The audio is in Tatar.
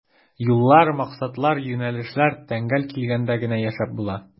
Юллар, максатлар, юнәлешләр тәңгәл килгәндә генә яшәп була.